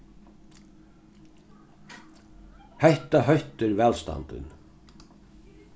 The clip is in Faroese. hetta hóttir vælstandin